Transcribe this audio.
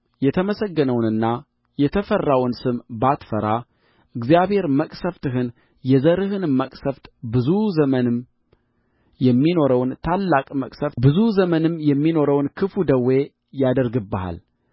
የተመሰገነውንና የተፈራውን ስም ባትፈራ እግዚአብሔር መቅሠፍትህን የዘርህንም መቅሠፍት ብዙ ዘመንም የሚኖረውን ታላቅ መቅሠፍት ብዙ ዘመን የሚኖረውንም ክፉ ደዌ ያደርግብሃል